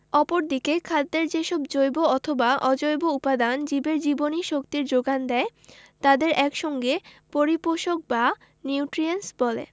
অপরদিকে খাদ্যের যেসব জৈব অথবা অজৈব উপাদান জীবের জীবনীশক্তির যোগান দেয় তাদের এক সঙ্গে পরিপোষক বা নিউট্রিয়েন্টস বলে